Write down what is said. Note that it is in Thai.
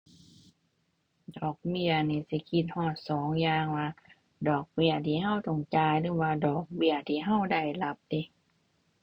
ดอกเบี้ยนี่สิคิดฮอดสองอย่างว่า ดอกเบี้ยที่เราต้องจ่ายหรือว่าดอกเบี้ยที่เราได้รับเดะ ⁠